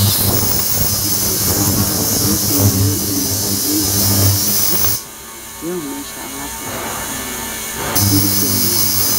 Wajiko waxa ay leedahay armaajo yaqaanado midabkoodii ay caddaan